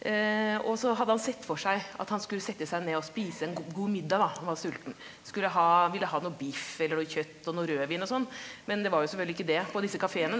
og så hadde han sett for seg at han skulle sette seg ned og spise en god middag da, han var sulten, skulle ha ville ha noe biff eller noe kjøtt og noe rødvin og sånn, men det var jo selvfølgelig ikke det på disse kafeene.